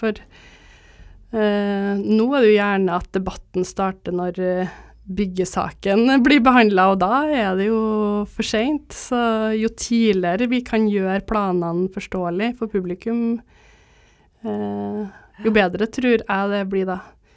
for nå er det jo gjerne at debatten starter når byggesaken blir behandla og da er det jo for seint så jo tidligere vi kan gjøre planene forståelig for publikum, jo bedre trur jeg det blir da.